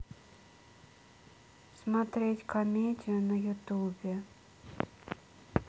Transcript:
смотреть комедию на ютубе